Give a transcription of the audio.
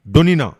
Dɔɔnin